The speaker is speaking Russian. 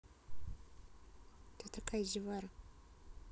кто такая зевара